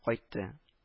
Кайтты